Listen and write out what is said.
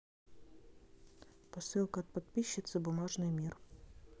посылка от подписчицы бумажный мир